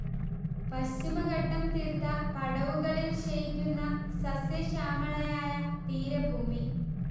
പശ്ചിമഘട്ടം തീർത്ത പടവുകളിൽ ശയിക്കുന്ന സസ്യ ശ്യാമളയായ തീരഭൂമി